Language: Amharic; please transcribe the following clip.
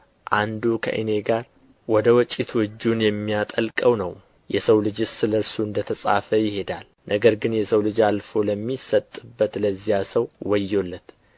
አንዱ ከእኔ ጋር ወደ ወጭቱ እጁን የሚያጠልቀው ነው የሰው ልጅስ ስለ እርሱ እንደ ተጻፈ ይሄዳል ነገር ግን የሰው ልጅ አልፎ ለሚሰጥበት ለዚያ ሰው ወዮለት